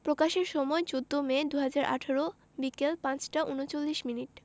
প্রকাশের সময় ১৪মে ২০১৮ বিকেল ৫টা ৩৯ মিনিট